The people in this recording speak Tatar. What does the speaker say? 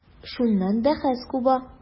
Шуннан бәхәс куба.